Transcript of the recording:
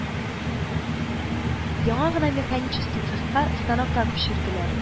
Яңа гына механический цехка, станокка күчерделәр